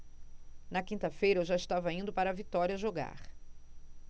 na quinta-feira eu já estava indo para vitória jogar